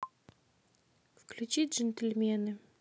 включи джентельмены